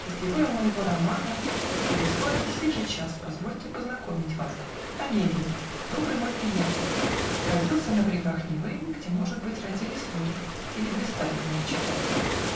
С героем моего романа Без предисловий, сей же час Позвольте познакомить вас: Онегин, добрый мой приятель, Родился на брегах Невы, Где, может быть, родились вы Или блистали, мой читатель